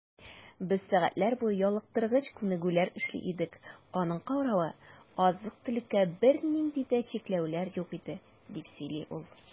Без сәгатьләр буе ялыктыргыч күнегүләр эшли идек, аның каравы, азык-төлеккә бернинди дә чикләүләр юк иде, - дип сөйли ул.